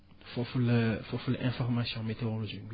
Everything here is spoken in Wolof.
foofu la foofu la information météorologique bi